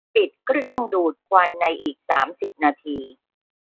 ปิดเครื่องดูดควันในอีกสามสิบนาที